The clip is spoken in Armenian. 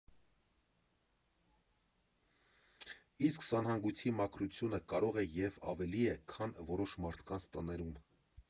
Իսկ սանհանգույցի մաքրությունը կարող է և ավելի է քան որոշ մարդկանց տաներում։